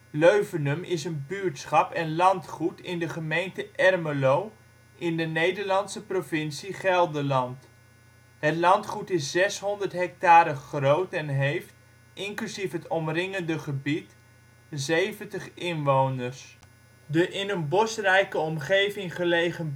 Leuvenum is een buurtschap en landgoed in de gemeente Ermelo, in de Nederlandse provincie Gelderland. Het landgoed is 600 hectare groot en heeft, inclusief het omringende gebied, 70 inwoners (2007). De in een bosrijke omgeving gelegen